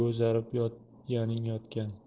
bo'zarib yotganing yotgan